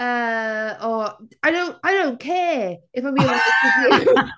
Yy o I do- I don't care, if I'm being honest with you .